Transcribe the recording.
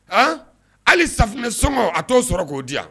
A hali safunɛ soma a t'o sɔrɔ k'o di